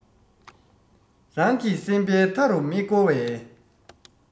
རང གི སེམས པའི མཐའ རུ མི སྐོར བའི